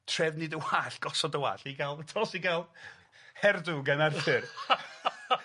trefnu dy wallt gosod dy wallt i ga'l dos i gael hair do gan Arthur.